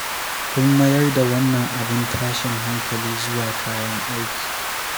Kun mayar da wannan abun tashin hankali zuwa kayan aiki.